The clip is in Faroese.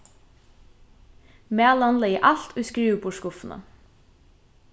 malan legði alt í skriviborðsskuffuna